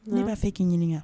N' b'a fɛ k'i ɲini ɲininka